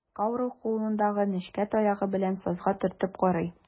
Кауров кулындагы нечкә таягы белән сазга төртеп карый.